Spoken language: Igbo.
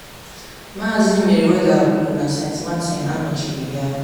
Maazị Merriweather kwuru na St. Martin anọchighi ya.